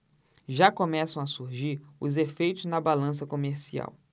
já começam a surgir os efeitos na balança comercial